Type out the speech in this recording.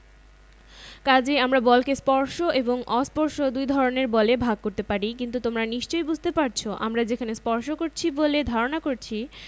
তোমরা যখন তোমাদের দৈনন্দিন জীবনে নানা কাজে বল ব্যবহার করো তখন তোমাদের মনে হতে পারে কোনো কোনো বল প্রয়োগ করতে হলে স্পর্শ করতে হয় ক্রেন দিয়ে ভারী জিনিস তোলা কোনো কিছুকে ধাক্কা দেওয়া